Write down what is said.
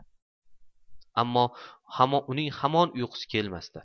ammo uning hamon uyqusi kelmasdi